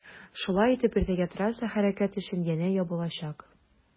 Шулай итеп иртәгә трасса хәрәкәт өчен янә ябылачак.